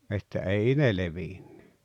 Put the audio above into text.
että ei ne levinnyt